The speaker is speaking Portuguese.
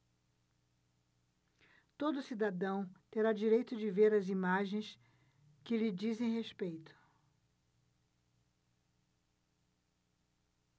todo cidadão terá direito de ver as imagens que lhe dizem respeito